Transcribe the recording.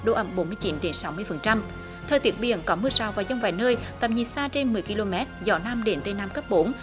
độ ẩm bốn mươi chín phẩy sáu mươi phần trăm thời tiết biển có mưa rào và dông vài nơi tầm nhìn xa trên mười ki lô mét gió nam đến tây nam cấp bốn